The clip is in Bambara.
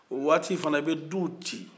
o waati fana i bɛ duw ci